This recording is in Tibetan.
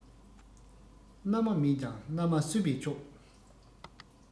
མནའ མ མེད ཀྱང མནའ མ བསུས པས ཆོག